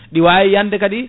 ɗi wawi yande kadi